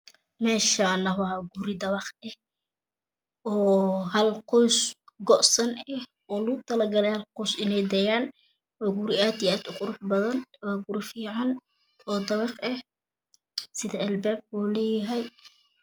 Meeshana waa guri dabaq ah hal qoys u gosen eh oo loogu talagalay ineh halqoys tagaan wa guri aad iyo aad u qurux badan oo fiican oo dabaq eh albaab uu leeyahay